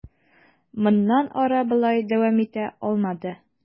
Моннан ары болай дәвам итә алмады.